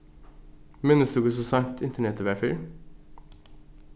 minnist tú hvussu seint internetið var fyrr